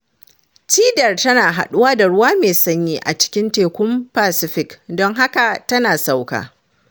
Cidar tana haɗuwa da ruwa mai sanyi a cikin tekun Pacific don haka tana sauka.